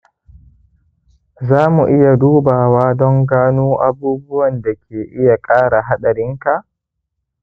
za mu iya duba wa don gano abubuwan da ke iya ƙara haɗarinka.